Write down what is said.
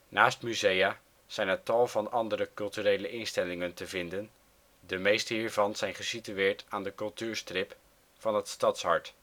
Naast musea zijn er tal van andere culturele instellingen te vinden, de meeste hiervan zijn gesitueerd aan de cultuurstrip van het Stadshart